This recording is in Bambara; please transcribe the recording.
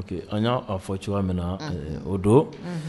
Que an y'a fɔ cogoya min na o don